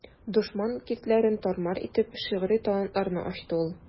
Дошман киртәләрен тар-мар итеп, шигъри талантларны ачты ул.